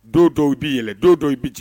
Do dɔw i bɛi yɛlɛ don dɔw dɔ i bɛ jigin